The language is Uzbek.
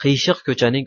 qiyshiq ko'chaning